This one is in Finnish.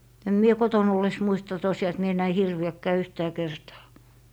en minä kotona ollessa muista tosiaan että minä näin hirviäkään yhtään kertaa